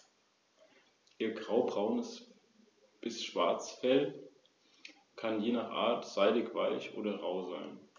Versuche Makedoniens, die alte Hegemonie wieder aufzurichten, führten zum Krieg.